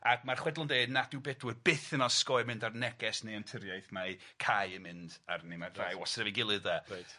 Ag mae'r chwedl yn dweud nad yw Bedwyr byth yn osgoi mynd ar neges neu anturiaeth mae Cai yn mynd arni ma'r dau wastod efo'i gulydd de. Reit.